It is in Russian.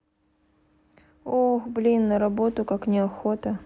ох блин на работу как неохота